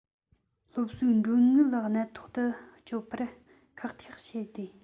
སློབ གསོའི གྲོན དངུལ གནད ཐོག ཏུ སྤྱོད པར ཁག ཐེག བྱས ཏེ